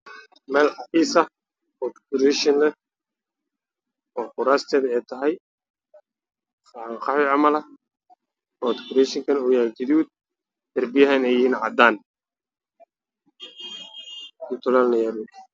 Halkan waa qol lehnaal ayaalaanna kuraastayaal